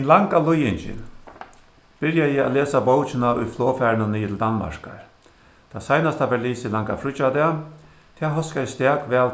hin langa líðingin byrjaði at lesa bókina í flogfarinum niður til danmarkar tað seinasta varð lisið langa fríggjadag tað hóskaði stak væl